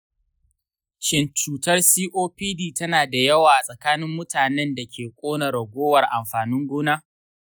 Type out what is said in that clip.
shin cutar copd tana da yawa a tsakanin mutanen da ke ƙona ragowar amfanin gona?